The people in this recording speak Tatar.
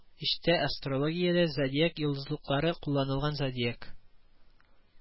Эчтә астрологиядә зодиак йолдызлыклары кулланылган зодиак